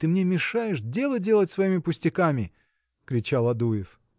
ты мне мешаешь дело делать своими пустяками! – кричал Адуев.